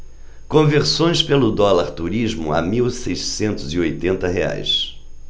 conversões pelo dólar turismo a mil seiscentos e oitenta reais